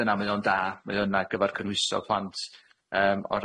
dyna mae o'n da mau o yna gyfar cynhwyso plant yym o